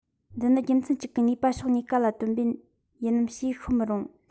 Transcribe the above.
འདི ནི རྒྱུ མཚན གཅིག གི ནུས པ ཕྱོགས གཉིས ཀ ལ བཏོན པས ཡིན ནམ ཞེས ཤོད མི རུང